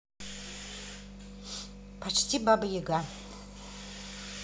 почти баба яга